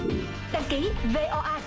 đăng kí vê o a